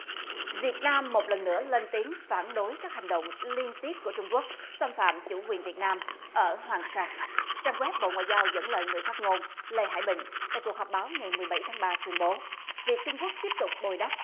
việt nam một lần nữa lên tiếng phản đối các hành động liên tiếp của trung quốc xâm phạm chủ quyền việt nam ở hoàng sa trang goép bộ ngoại giao dẫn lời người phát ngôn lê hải bình tại cuộc họp báo ngày mười bảy tháng ba tuyên bố việc trung quốc tiếp tục bồi đắp